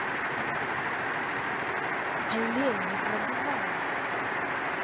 олень непробиваемый